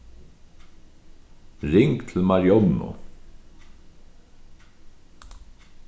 ring til marionnu